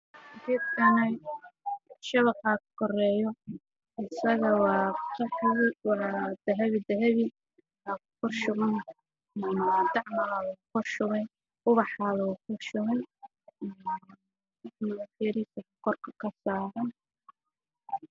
Waa shukulaato midab keedu waa qaxwi